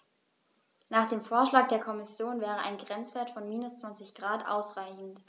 Nach dem Vorschlag der Kommission wäre ein Grenzwert von -20 ºC ausreichend.